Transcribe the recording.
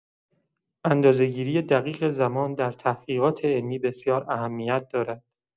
اندازه‌گیری دقیق زمان در تحقیقات علمی بسیار اهمیت دارد.